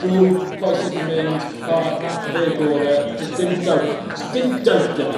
Froome coese 'di mynd paw' arall na fe yw'r gore' do's dim doubt 'da fi do's dim doubt 'da fi...